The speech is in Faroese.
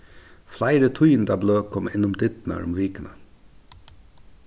fleiri tíðindabløð koma inn um dyrnar um vikuna